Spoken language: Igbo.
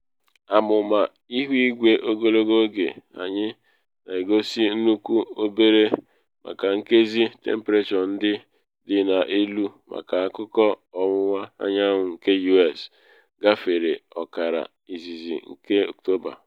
Amụma ihuigwe ogologo oge anyị na egosi nnukwu ohere maka nkezi temprechọ ndị dị n’elu maka akụkụ ọwụwa anyanwụ nke U.S. gafere ọkara izizi nke Ọktoba.